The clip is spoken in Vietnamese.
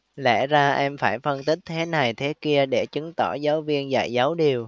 lẽ ra em phải phân tích thế này thế kia để chứng tỏ giáo viên dạy giáo điều